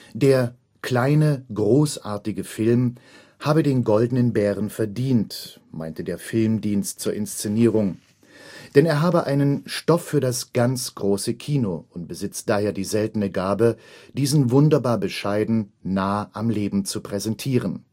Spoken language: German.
Der „ kleine, großartige “Film habe den Goldenen Bären verdient, meinte der film-dienst zur Inszenierung, denn er habe einen „ Stoff für das ganz große Kino und besitzt dabei die seltene Gabe, diesen wunderbar bescheiden, nah am Leben zu präsentieren